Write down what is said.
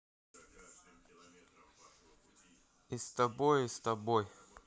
и с тобой и с тобой